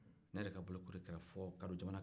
ne yɛrɛ ka bolokoli kɛra fɔ kadɔ jamana kan